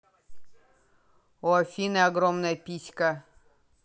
у афины огромная писька